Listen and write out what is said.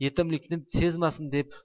yetimlikni sezmasin deb